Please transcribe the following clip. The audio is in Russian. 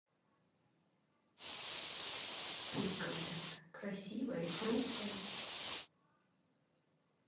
пусть говорят красивая и хрупкая